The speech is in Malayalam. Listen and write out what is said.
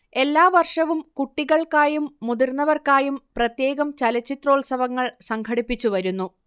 എല്ലാ വർഷവും കുട്ടികൾക്കായും മുതിർന്നവർക്കായും പ്രത്യേകം ചലച്ചിത്രോത്സവങ്ങൾ സംഘടിപ്പിച്ചുവരുന്നു